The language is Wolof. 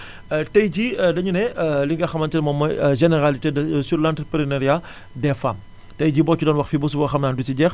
tay jii dañu ne ë li nga xamante ne moom mooy généralité de sur l' entreprenariat des femmes tay jii boo ci doon wax fii ba suba xam naa du ci jeex